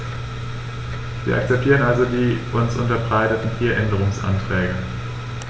Wir akzeptieren also die uns unterbreiteten vier Änderungsanträge.